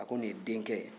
a ko ni ye denkɛ ye